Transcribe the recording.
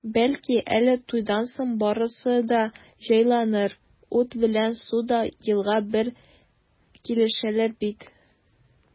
Бәлки әле туйдан соң барысы да җайланыр, ут белән су да елга бер килешәләр, ди бит.